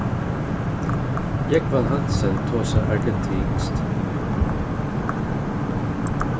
jógvan hansen tosar argentinskt